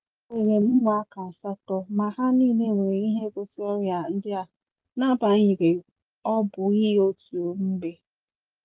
"Enwere m ụmụaka asatọ, ma ha niile nwere ihe ngosi ọrịa ndị a, n'agbanyeghị ọ bụghị otu mgbe